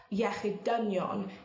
iechyd dynion